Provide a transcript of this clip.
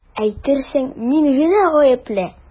Әйтерсең мин генә гаепле!